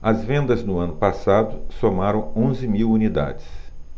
as vendas no ano passado somaram onze mil unidades